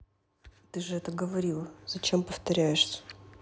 а ты же это говорил зачем повторяешься